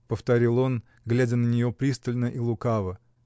— повторил он, глядя на нее пристально и лукаво.